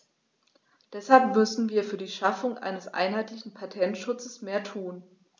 Deshalb müssen wir für die Schaffung eines einheitlichen Patentschutzes mehr tun.